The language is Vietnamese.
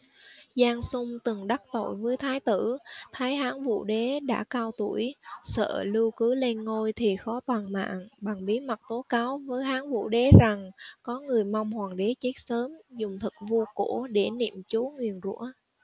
giang sung từng đắc tội với thái tử thấy hán vũ đế đã cao tuổi sợ lưu cứ lên ngôi thì khó toàn mạng bèn bí mật tố cáo với hán vũ đế rằng có người mong hoàng đế chết sớm dùng thuật vu cổ để niệm chú nguyền rủa